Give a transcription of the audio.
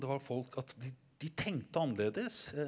det var folk at de de tenkte annerledes.